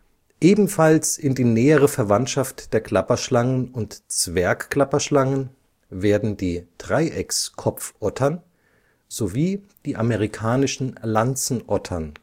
Ebenfalls in die nähere Verwandtschaft der Klapperschlangen und Zwergklapperschlangen werden die Dreieckskopfottern (Agkistrodon) sowie die Amerikanischen Lanzenottern